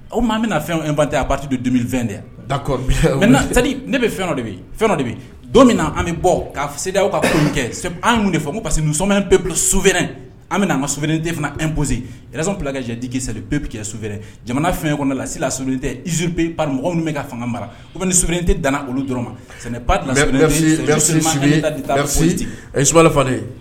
O maa bɛna na fɛn ba ta a' don dum fɛn dɛ da ne bɛ fɛn dɔ de fɛn de bɛ don min na an bɛ bɔ k'a se aw ka kɛ de parce quesɔmɛ pe sufɛ an bɛ'a ma soinden fana e bose son pjɛ di'i pe bɛ kɛ sufɛ jamana fɛn kɔnɔ lasila surununi tɛzurup bɛ ka fanga mara o bɛ syin tɛ dan olu dɔrɔn ma ye su fa